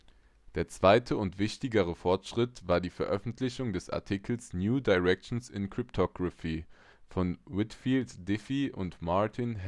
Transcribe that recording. zweite und wichtigere Fortschritt war die Veröffentlichung des Artikels New Directions in Cryptography von Whitfield Diffie und Martin